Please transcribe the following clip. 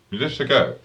mitenkäs se käy